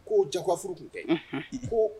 Ko jawaf furu tun tɛ ko